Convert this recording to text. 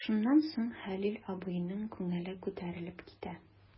Шуннан соң Хәлил абыйның күңеле күтәрелеп китә.